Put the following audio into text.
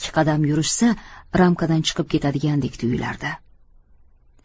ikki qadam yurishsa ramkadan chiqib ketadigandek tuyulardi